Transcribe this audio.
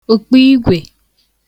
òkpuigwē